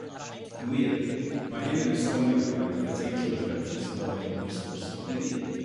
Yn wir ma' hyn yn esbonio rhywfaint ar y teitl rhyfedd nes i roi i'r sgwrs heddi.